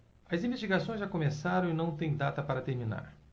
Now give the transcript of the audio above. as investigações já começaram e não têm data para terminar